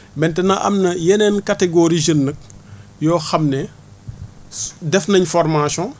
maintenant am na yeneen catégories jeunes nag yoo xam ne su def nañ formation